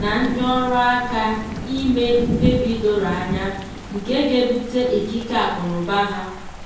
na ndị ọrụaka aka ime mkpebi doro anya, nke ga-ebute ikike akụnaụba ha.